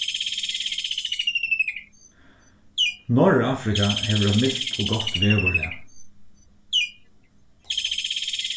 norðurafrika hevur eitt milt og gott veðurlag